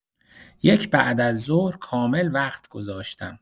یک بعد از ظهر کامل وقت گذاشتم.